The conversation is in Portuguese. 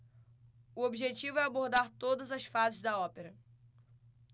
o objetivo é abordar todas as fases da ópera